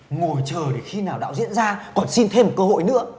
ngồi chờ để khi nào đạo diễn ra còn xin thêm một cơ hội nữa